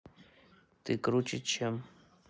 ты круче чем